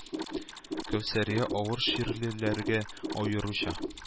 Кәүсәрия авыр чирлеләргә аеруча